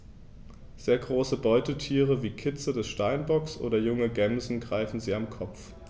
Sehr große Beutetiere wie Kitze des Steinbocks oder junge Gämsen greifen sie am Kopf.